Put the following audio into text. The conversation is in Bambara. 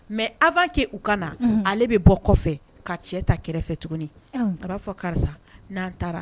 Mais avant que ;u ka na; Unhun; Ale bɛ bɔ kɔfɛ ka cɛ ta kɛrɛfɛ tuguni; Awɔ; A b'a fɔ karisa n'an taara